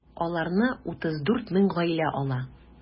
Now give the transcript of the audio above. Аларны 34 мең гаилә ала.